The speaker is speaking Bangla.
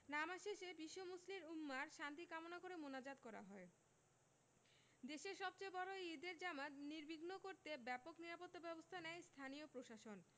নামাজ শেষে বিশ্ব মুসলিম উম্মাহর শান্তি কামনা করে মোনাজাত করা হয় দেশের সবচেয়ে বড় এই ঈদের জামাত নির্বিঘ্ন করতে ব্যাপক নিরাপত্তাব্যবস্থা নেয় স্থানীয় প্রশাসন